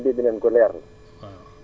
tontu yi moom dégg nañ ko leer na